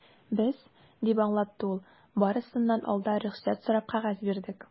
Без, - дип аңлатты ул, - барысыннан алда рөхсәт сорап кәгазь бирдек.